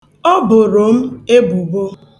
O boro m ebubo.